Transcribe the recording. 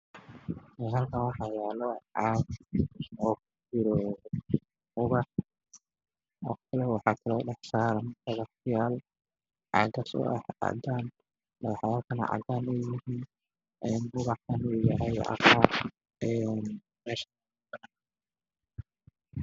Halkaan waxaa yaalo baaldi cadaan ah oo ay ku jiraan geed cagaaran